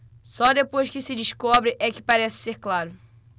só depois que se descobre é que parece ser claro